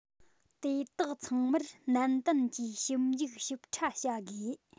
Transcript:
དེ དག ཚང མར ནན ཏན གྱིས ཞིབ འཇུག ཞིབ ཕྲ བྱ དགོས